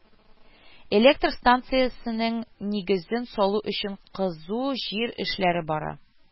Электр станцасының нигезен салу өчен кызу җир эшләре бара